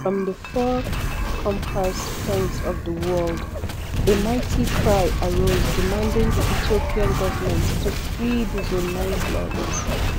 From the four-compass points of the world, a mighty cry arose demanding the Ethiopian government to free the Zone9 bloggers.